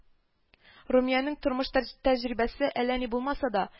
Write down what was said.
Румиянең тормыш тәҗрибәсе әлә ни булмасада